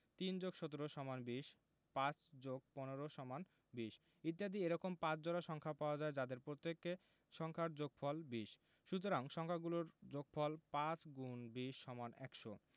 ৩+১৭=২০ ৫+১৫=২০ ইত্যাদি এরকম ৫ জোড়া সংখ্যা পাওয়া যায় যাদের প্রত্যেক জোড়ার যোগফল ২০ সুতরাং সংখ্যা গুলোর যোগফল ৫*২০=১০০